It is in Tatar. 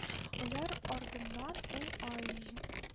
Үләр ардыннан